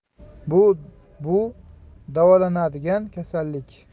bu davolanadigan kasallik